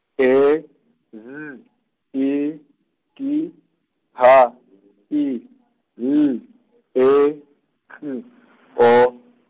E, Z, I, T, H , I, L, E, K , O.